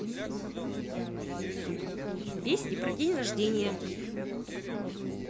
песни про день рождения